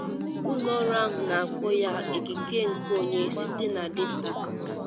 Ụlọ ọrụ ahụ na-akpọ ya “ikike nkeonwe site na data.”